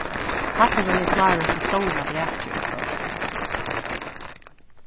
pallurin er klárur til stóra brakið í kvøld